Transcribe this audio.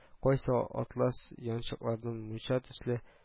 Кайсы атлас янчыклардан мунча төсле